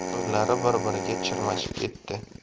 qo'llari bir biriga chirmashib ketdi